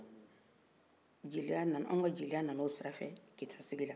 anw ka jeliya nana o sira fɛ kita sigila